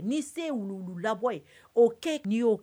N'i se ye wuluwulu labɔ ye o kɛ n'i y'o